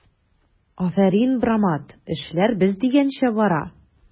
Афәрин, брамат, эшләр без дигәнчә бара!